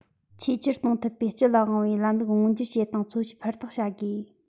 ཆེས ཆེར གཏོང ཐུབ པའི སྤྱི ལ དབང བའི ལམ ལུགས མངོན གྱུར བྱེད སྟངས འཚོལ ཞིབ ཧུར ཐག བྱ དགོས